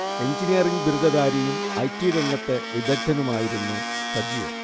Engineering ബിരുദധാരിയും I. T രംഗത്തെ വിദഗ്ദനുമായിരുന്നു സജീർ